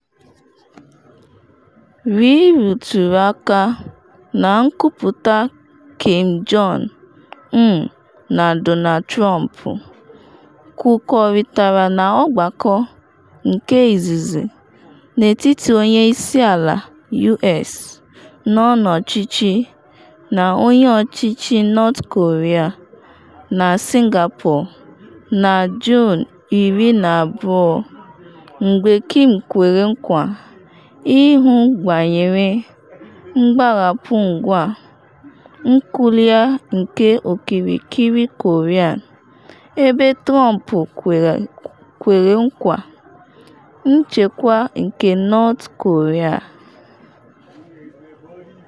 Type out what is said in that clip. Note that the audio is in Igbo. Ri rụtụrụ aka na nkwuputa Kim Jong Un na Donald Trump kwukọrịtara na ọgbakọ nke izizi n’etiti onye isi ala U.S nọ n’ọchịchị na onye ọchịchị North Korea na Singapore na Juun 12, mgbe Kim kwere nkwa ịhụ banyere “mgbarapụ ngwa nuklịa nke okirikiri Korea” ebe Trump kwere nkwa nchekwa nke North Korea.